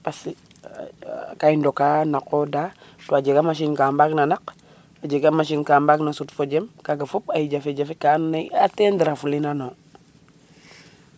parce ka i ndoka naqoda to a jega machine ka mbaag na naq a jega machine ka mbaag na sut fojem kaga fop jaje jafe ka ando naye i atteindre a fuli nano